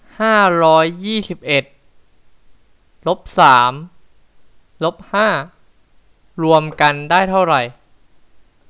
ห้าร้อยยี่สิบเอ็ดลบสามลบห้ารวมกันได้เท่าไหร่